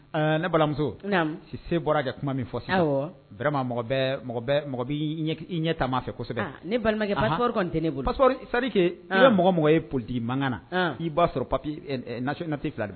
Ne balimamuso sise bɔra ka kuma min fɔ sisan mɔgɔ bi ɲɛ taa len ba fɛ kosɛbɛ. Ne balimankɛ pasport kɔni tɛ ne bolo. c'est à dire que i bɛ mɔgɔ mɔgɔ ye politique manka na i ba sɔrɔ paier 2 ba tigi bolo de.